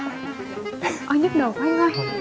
a nhức đầu quá anh ơi